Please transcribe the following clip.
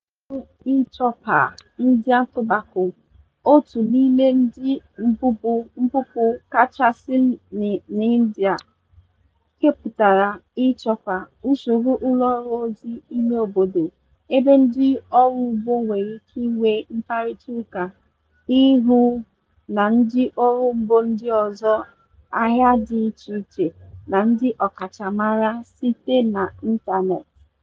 Ụlọọrụ eChoupal Indian Tobacco, otu n'ime ndị mbupụ kachasị n'India, kepụtara eChoupal, usoro ụlọọrụ ozi imeobodo ebe ndị ọrụugbo nwere ike nwee mkparịtaụka ihu na ihu ha na ndị ọrụugbo ndị ọzọ, ahịa dị icheiche na ndị ọkachamara site n'ịntaneetị.